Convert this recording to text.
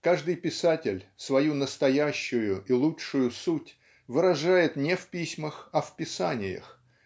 Каждый писатель свою настоящую и лучшую суть выражает не в письмах а в писаниях